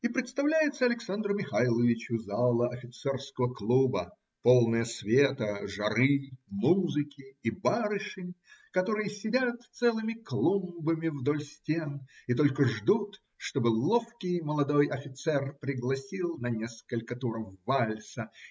" И представляется Александру Михайловичу зала офицерского клуба, полная света, жары, музыки и барышень, которые сидят целыми клумбами вдоль стен и только ждут, чтобы ловкий молодой офицер пригласил на несколько туров вальса.